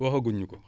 waxaguñ ñu ko